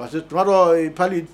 Parce que tumadɔ